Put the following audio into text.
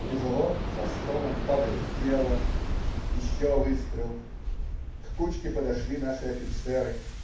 Тяжело, со стоном падает тело. Еще выстрел. К кучке подошли наши офицеры.